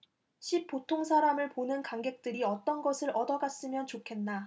십 보통사람을 보는 관객들이 어떤 것을 얻어갔으면 좋겠나